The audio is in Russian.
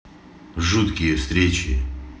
жуткие встречи